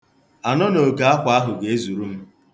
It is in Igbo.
Anọnoke akwa ahụ ga-ezuru m.